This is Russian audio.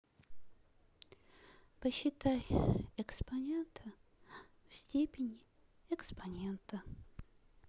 посчитай экспонента в степени экспонента